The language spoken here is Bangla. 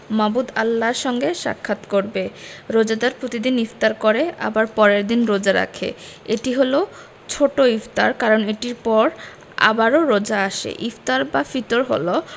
মাবুদ আল্লাহর সঙ্গে সাক্ষাৎ করবে রোজাদার প্রতিদিন ইফতার করে আবার পরের দিন রোজা রাখে এটি হলো ছোট ইফতার কারণ এটির পর আবারও রোজা আসে ইফতার বা ফিতর হলো